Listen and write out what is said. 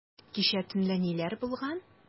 Кичә төнлә ниләр булган?